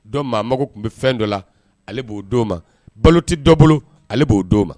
Dɔn maa mago tun bɛ fɛn dɔ la ale b'o di ma balo tɛ dɔ bolo ale b'o di' ma